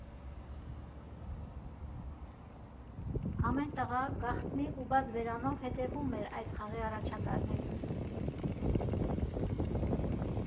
Ամեն տղա գաղտնի ու բաց բերանով հետևում էր այս խաղի առաջատարներին։